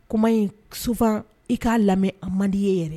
Koman in sufan i k'a lamɛn a mandi ye yɛrɛ